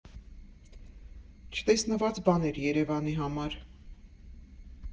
Չտեսնված բան էր Երևանի համար։